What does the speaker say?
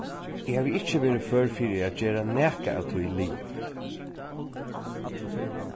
eg havi ikki verið før fyri at gera nakað av tí liðugt